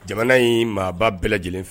Jamana in maaba bɛɛ lajɛlen fɛ